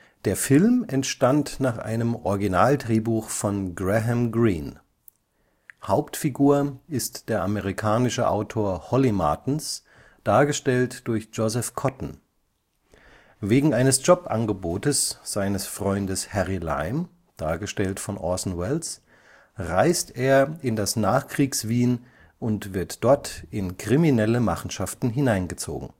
Der Film entstand nach einem Originaldrehbuch von Graham Greene. Hauptfigur ist der amerikanische Autor Holly Martins (Joseph Cotten). Wegen eines Jobangebotes seines Freundes Harry Lime (Orson Welles) reist er in das Nachkriegs-Wien und wird dort in kriminelle Machenschaften hineingezogen